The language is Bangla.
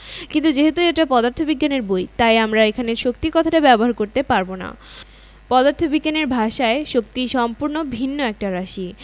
হঠাৎ গাড়ি চলতে শুরু করলে আমরা যেভাবে পেছনের দিকে একটা ঝাঁকুনি খাই সেটা হচ্ছে জড়তার উদাহরণ শরীরের নিচের অংশ গাড়ির সাথে লেগে আছে গাড়ির সাথে সাথে সেটা চলতে শুরু করেছে কিন্তু শরীরের ওপরের অংশ এখনো স্থির